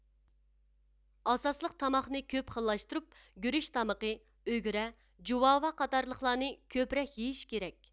ئاساسلىق تاماقنى كۆپ خىللاشتۇرۇپ گۈرۈچ تامىقى ئۈگرە جۇۋاۋا قاتارلىقلارنى كۆپرەك يىيىش كىرەك